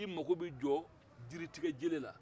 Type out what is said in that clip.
i mako bɛ jɔ jiritigɛjele la